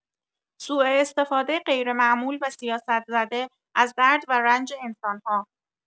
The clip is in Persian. سوءاستفاده غیرمعمول و سیاست زده از درد و رنج انسان‌ها